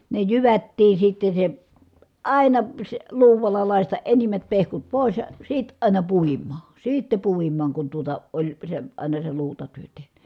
ne jyvättiin sitten se aina se luudalla lakaista enimmät pehkut pois ja sitten aina puimaan sitten puimaan kun tuota oli se aina se luutatyön tehnyt